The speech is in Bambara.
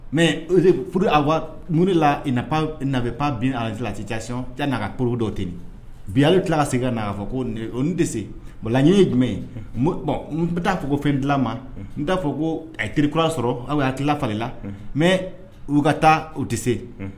Mɛse furu muru la i pan bin aliz tɛcc naga poro dɔ ten bi ale tila segin na'a fɔ ko tɛ se la ye jumɛn bɔn bɛ taaa fɔ ko fɛn dilan ma n t'a fɔ ko a teri kura sɔrɔ aw' ki fala mɛ u ka taa u tɛ se